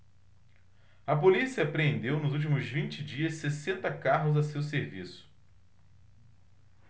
a polícia apreendeu nos últimos vinte dias sessenta carros a seu serviço